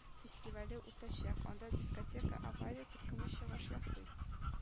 Фестивале үтәчәк, анда "дискотека авария” төркеме чыгыш ясый